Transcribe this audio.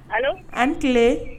Allô aw ni tile.